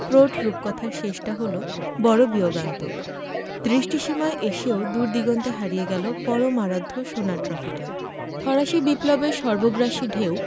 Croat রূপকথার শেষটা হল বড় বিয়োগান্তক দৃষ্টিসীমায় এসেও দূরদিগন্তে হারিয়ে গেল পরম আরাধ্য সোনার ট্রফিটা ফরাসি বিপ্লবের সর্বগ্রাসী ঢেউ